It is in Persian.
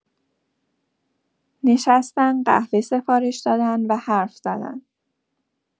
نشستن، قهوه سفارش دادن و حرف‌زدن.